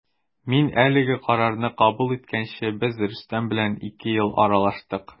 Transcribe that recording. Мин әлеге карарны кабул иткәнче без Рөстәм белән ике ел аралаштык.